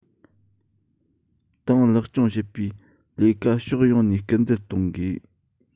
ཏང ལེགས སྐྱོང བྱེད པའི ལས ཀར ཕྱོགས ཡོངས ནས སྐུལ འདེད གཏོང དགོས